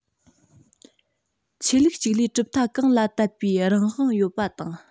ཆོས ལུགས གཅིག ལས གྲུབ མཐའ གང ལ དད པའི རང དབང ཡོད པ དང